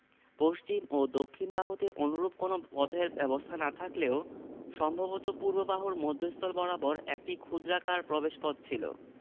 পশ্চিম ও দক্ষিণ বাহুতে অনুরূপ কোন পথের ব্যবস্থা না থাকলেও সম্ভবত পূর্ব বাহুর মধ্যস্থল বরাবর একটি ক্ষুদ্রাকার প্রবেশপথ ছিল